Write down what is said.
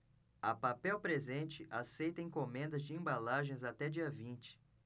a papel presente aceita encomendas de embalagens até dia vinte